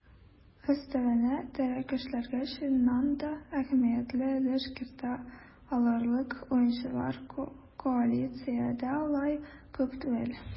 Өстәвенә, тере көчләргә чыннан да әһәмиятле өлеш кертә алырлык уенчылар коалициядә алай күп түгел.